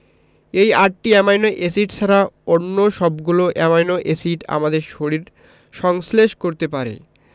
এই আটটি amino acid ছাড়া অন্য সবগুলো অ্যামাইনো এসিড আমাদের শরীর সংশ্লেষ করতে পারে